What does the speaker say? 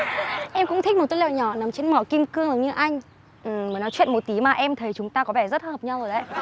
em cũng thích một túp lều nhỏ nằm trên mỏ kim cương giống như anh ừm mà nói chuyện một tí mà em thấy chúng ta có vẻ rất hợp nhau rồi đấy